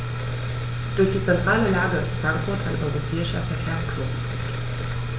Durch die zentrale Lage ist Frankfurt ein europäischer Verkehrsknotenpunkt.